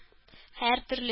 Һәртөрле